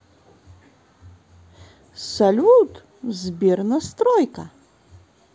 салют сбер настройка